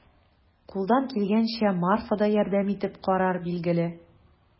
Кулдан килгәнчә Марфа да ярдәм итеп карар, билгеле.